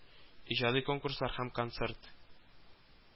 Иҗади конкурслар һәм концерт